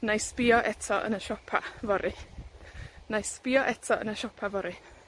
Wnai sbïo eto yn y siopa' fory. Nai sbïo eto yn y siopa' fory.